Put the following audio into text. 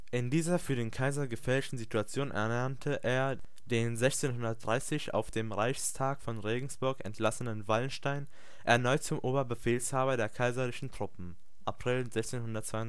dieser für den Kaiser gefährlichen Situation ernannte er den 1630 auf dem Reichstag von Regensburg entlassenen Wallenstein erneut zum Oberbefehlshaber der kaiserlichen Truppen (April 1632